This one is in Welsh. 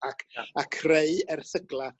ac... Ia. ...a creu erthygla...